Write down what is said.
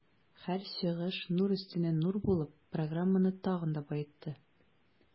Һәр чыгыш нур өстенә нур булып, программаны тагын да баетты.